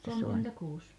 kolmekymmentäkuusi